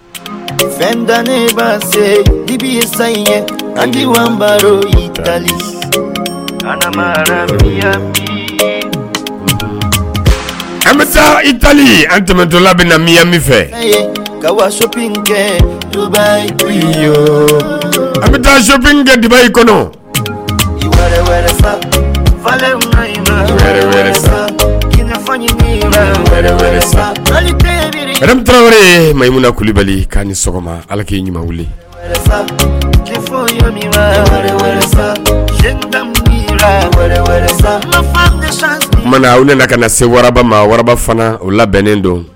Fɛnda ne ba se i bi sa an an bɛ taa ili an tɛmɛ to labila miyan min fɛfin kɛba an bɛfinkɛ diba i kɔnɔ kulubali k' ni sɔgɔma hali kki i ɲuman ne la ka na se waraba ma fana o labɛn bɛnnen don